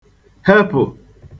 hepụ̀